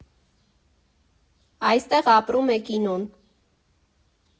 Այստեղ ապրում է կինոն։